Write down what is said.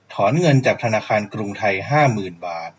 ถอนเงินจากธนาคารกรุงไทยห้าหมื่นบาท